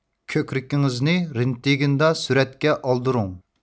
كۆكرىكىڭىزنى رېنتىگېندا سۈرەتكە ئالدۇرۇڭ